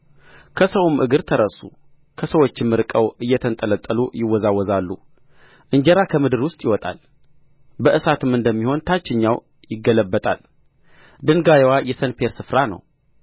ከሰውም እግር ተረሱ ከሰዎችም ርቀው እየተንጠለጠሉ ይወዛወዛሉ እንጀራ ከምድር ውስጥ ይወጣል በእሳትም እንደሚሆን ታችኛው ይገለበጣል ድንጋይዋ የሰንፔር ስፍራ ነው